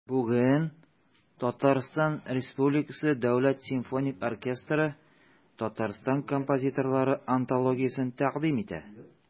Бүген ТР Дәүләт симфоник оркестры Татарстан композиторлары антологиясен тәкъдим итә.